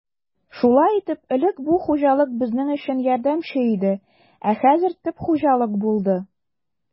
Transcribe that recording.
Шулай итеп, элек бу хуҗалык безнең өчен ярдәмче иде, ә хәзер төп хуҗалык булды.